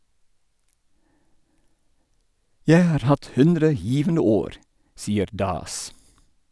- Jeg har hatt 100 givende år, sier Das.